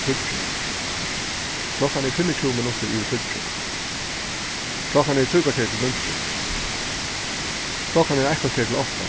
tíggju klokkan er fimmogtjúgu minuttir yvir tíggju klokkan er trý korter til níggju klokkan er eitt korter til átta